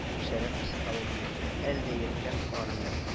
Шәрекъ психологиясе, әле дә йөктән арын